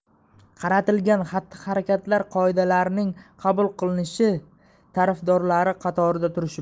qaratilgan xatti harakatlar qoidalarining qabul qilinishi tarafdorlari qatorida turishibdi